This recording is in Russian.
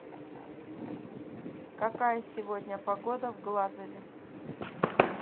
какая сегодня погода в глазове